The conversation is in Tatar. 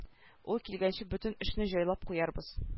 Ул килгәнче бөтен эшне җайлап куярбыз